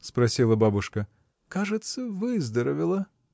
— спросила бабушка, — кажется, выздоровела!